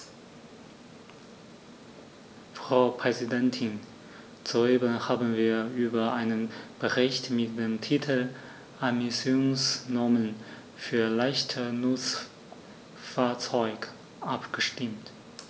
Frau Präsidentin, soeben haben wir über einen Bericht mit dem Titel "Emissionsnormen für leichte Nutzfahrzeuge" abgestimmt.